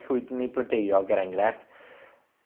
llwydni blodeuog, er enghrefft,